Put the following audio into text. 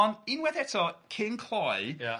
Ond unwaith eto cyn cloi... Ia